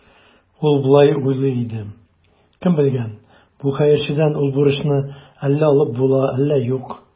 Ул болай уйлый иде: «Кем белгән, бу хәерчедән ул бурычны әллә алып була, әллә юк".